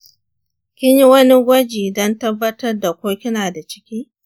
kin yi wani gwaji don tabbatar da ko kina da ciki?